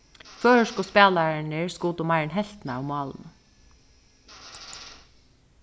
føroysku spælararnir skutu meir enn helvtina av málunum